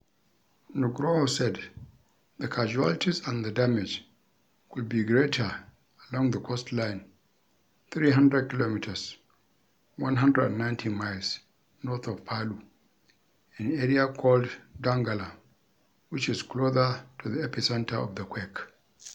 Nugroho said the casualties and the damage could be greater along the coastline 300 km (190 miles) north of Palu, an area called Donggala, which is closer to the epicenter of the quake.